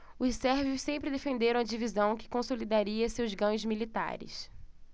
os sérvios sempre defenderam a divisão que consolidaria seus ganhos militares